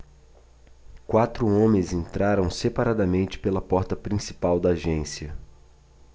quatro homens entraram separadamente pela porta principal da agência